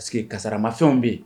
Parceri que kasramafɛnw bɛ yen